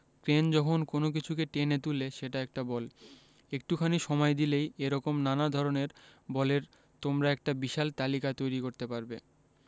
crane যখন কোনো কিছুকে টেনে তুলে সেটা একটা বল একটুখানি সময় দিলেই এ রকম নানা ধরনের বলের তোমরা একটা বিশাল তালিকা তৈরি করতে পারবে